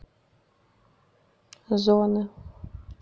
зоны